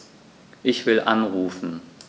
Ich will anrufen.